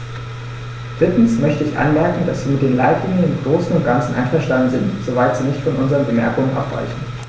Drittens möchte ich anmerken, dass wir mit den Leitlinien im großen und ganzen einverstanden sind, soweit sie nicht von unseren Bemerkungen abweichen.